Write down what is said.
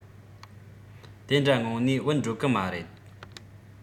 དེ འདྲ ངང ནས བུད འགྲོ གི མ རེད